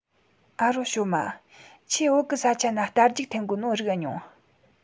ཨ རོ ཞའོ མ ཁྱོས བོད གི ས ཆ ན རྟ རྒྱུག འཐེན གོ ནོ རིག ཨེ མྱོང